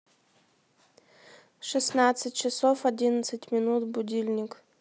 шестнадцать часов одиннадцать минут будильник